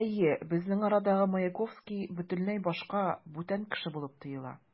Әйе, безнең арадагы Маяковский бөтенләй башка, бүтән кеше булып тоела.